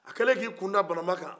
a kɛlen k'i kunda banamba kan